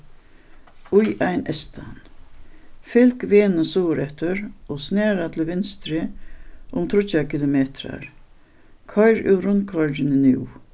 í ein eystan fylg vegnum suðureftir og snara til vinstru um tríggjar kilometrar koyr úr rundkoyringini nú